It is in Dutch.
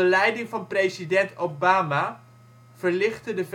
leiding van president Obama verlichtte de